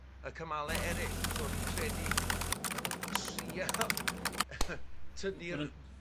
y camale eryll so fi'n credu ma' nw'n trial tynnu'r